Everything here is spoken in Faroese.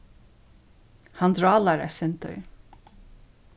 hann drálar eitt sindur